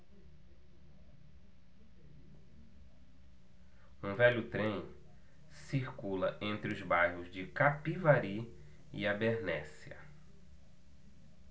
um velho trem circula entre os bairros de capivari e abernéssia